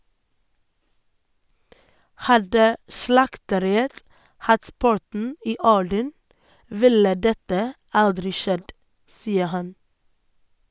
- Hadde slakteriet hatt porten i orden, ville dette aldri skjedd, sier han.